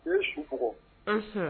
I ye suɔgɔ